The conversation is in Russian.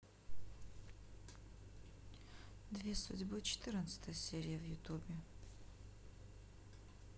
две судьбы четырнадцатая серия в ютубе